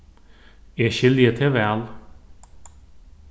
eg skilji teg væl